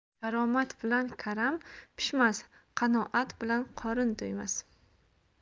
karomat bilan karam pishmas qanoat bilan qorin to'ymas